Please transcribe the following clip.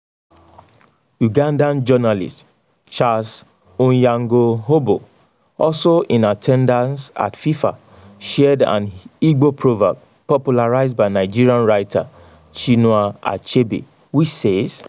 Ugandan journalist Charles Onyango-Obbo, also in attendance at FIFA, shared an Igbo proverb popularised by Nigerian writer Chinua Achebe which says: